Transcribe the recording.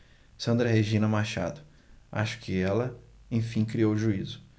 sandra regina machado acho que ela enfim criou juízo